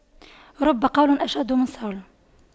رب قول أشد من صول